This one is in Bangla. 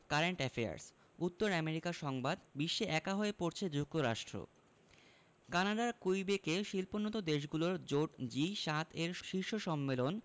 কারেন্ট অ্যাফেয়ার্স উত্তর আমেরিকা সংবাদ বিশ্বে একা হয়ে পড়ছে যুক্তরাষ্ট্র কানাডার কুইবেকে শিল্পোন্নত দেশগুলোর জোট জি ৭ এর শীর্ষ সম্মেলন